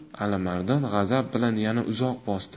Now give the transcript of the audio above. alimardon g'azab bilan yana uzoq bosdi